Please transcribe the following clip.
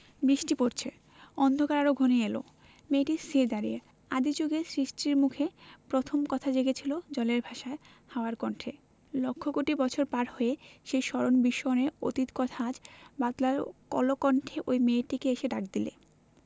বৃষ্টি পরছে অন্ধকার আরো ঘন হয়ে এল মেয়েটি স্থির দাঁড়িয়ে আদি জুগে সৃষ্টির মুখে প্রথম কথা জেগেছিল জলের ভাষায় হাওয়ার কণ্ঠে লক্ষ কোটি বছর পার হয়ে সেই স্মরণ বিস্মরণের অতীত কথা আজ বাদলার কলকণ্ঠে ঐ মেয়েটিকে এসে ডাক দিলে